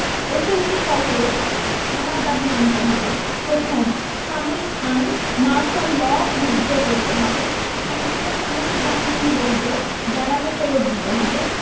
assembly কল করেছেন আমার দাবি মানতে হবে প্রথম সামরিক আইন মার্শাল ল উইথ ড্র করতে হবে সমস্ত সামরিক বাহিনীর লোকদের ব্যারাকে ফেরত দিতে হবে